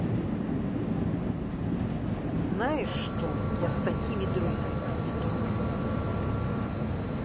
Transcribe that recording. знаешь что я с такими друзьями не дружу